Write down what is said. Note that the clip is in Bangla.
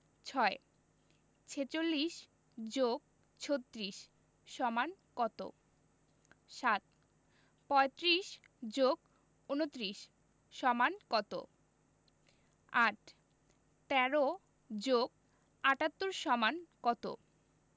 ৬ ৪৬ + ৩৬ = কত ৭ ৩৫ + ২৯ = কত ৮ ১৩ + ৭৮ = কত